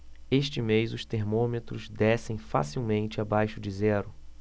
este mês os termômetros descem facilmente abaixo de zero